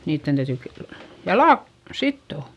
niiden täytyy - jalat - sitoa